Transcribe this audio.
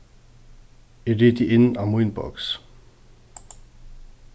eg riti inn á mínboks